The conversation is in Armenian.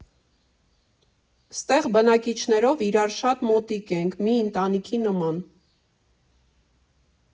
Ստեղ բնակիչներով իրար շատ մոտիկ ենք՝ մի ընտանիքի նման։